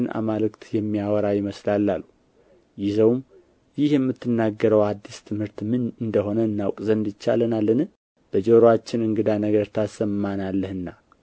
አማልክት የሚያወራ ይመስላል አሉ ይዘውም ይህ የምትናገረው አዲስ ትምህርት ምን እንደሆነ እናውቅ ዘንድ ይቻለናልን በጆሮአችን እንግዳ ነገር ታሰማናለህና